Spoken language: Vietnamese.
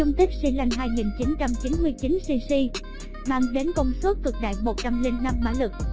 dung tích xi lanh cc mang đến công suất cực đại mã lực